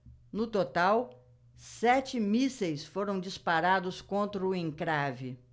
no total sete mísseis foram disparados contra o encrave